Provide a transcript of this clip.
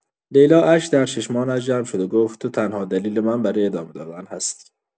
لیلا اشک در چشمانش جمع شد و گفت: «تو تنها دلیل من برای ادامه دادن هستی.»